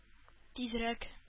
Тизрәк